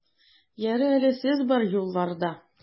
Ярый әле сез бар юлларда!